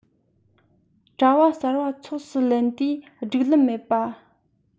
གྲྭ བ གསར བ ཚོགས སུ ལེན དུས སྒྲིག ལམ མེད པ